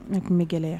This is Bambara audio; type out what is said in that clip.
Ne tun bɛ gɛlɛya